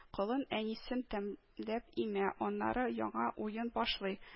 Колын әнисен тәм ләп имә, аннары яңа уен башлый